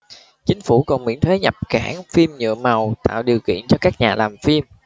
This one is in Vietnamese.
chính phủ còn miễn thuế nhập cảng phim nhựa màu tạo điều kiện cho các nhà làm phim